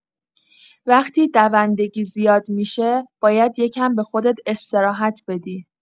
وقتی دوندگی زیاد می‌شه، باید یه کم به خودت استراحت بدی.